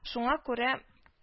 Шуңа күрә